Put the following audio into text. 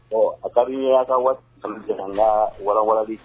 Ɔ, a ka di n ye a' ka waati kɔni di yan n ka walawalali